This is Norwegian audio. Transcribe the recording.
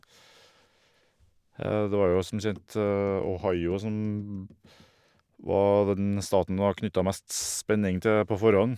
Det var jo som kjent Ohio som var den staten det var knytta mest spenning til på forhånd.